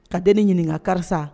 Ka denin ɲininka karisa.